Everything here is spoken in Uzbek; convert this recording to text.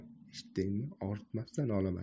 eshitdingmi og'ritmasdan olaman